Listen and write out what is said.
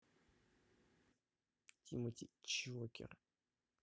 тимати чокер